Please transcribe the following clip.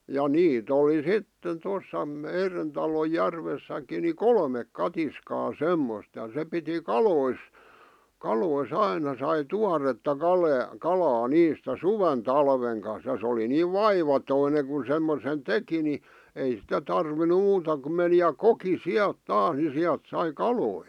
ja niitä oli sitten tuossa meidän talon järvessäkin niin kolme katiskaa semmoista ja se piti kaloissa kaloissa aina sai tuoretta kalaa kalaa niistä suven talven kanssa ja se oli niin vaivaton kun semmoisen teki niin ei sitä tarvinnut muuta kuin meni ja koki sieltä taas niin sieltä sai kaloja